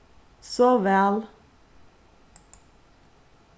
sov væl